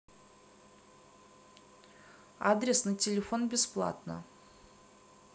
адрес на телефон бесплатно